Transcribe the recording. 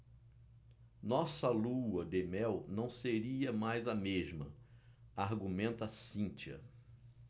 nossa lua-de-mel não seria mais a mesma argumenta cíntia